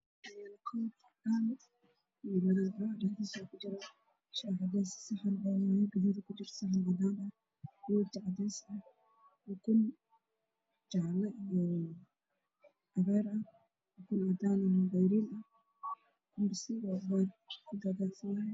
Waxaa ii muuqda biza midabkiis yahay jaallo waana piiza sa hoot waxa uu ku jiraa weel madow koob ayaa ag yaalo